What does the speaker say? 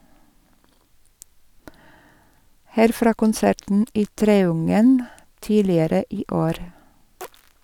Her fra konserten i Treungen tidligere i år.